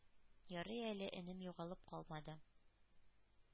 Ярый әле энем югалып калмады.